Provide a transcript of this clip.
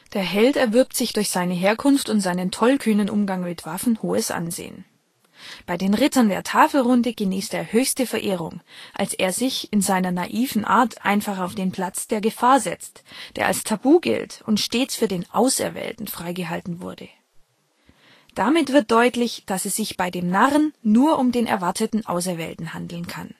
Der Held erwirbt sich durch seine Herkunft und seinen tollkühnen Umgang mit Waffen hohes Ansehen. Bei den Rittern der Tafelrunde genießt er höchste Verehrung, als er sich in seiner naiven Art einfach auf den Platz der Gefahr setzt, der als tabu gilt und stets für den Auserwählten freigehalten wurde. Damit wird deutlich, dass es sich bei dem Narren nur um den erwarteten Auserwählten handeln kann